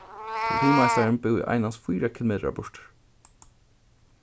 politimeistarin búði einans fýra kilometrar burtur